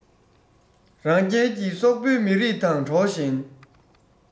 རང རྒྱལ གྱི སོག པོའི མི རིགས དང ཁྲོའོ ཞན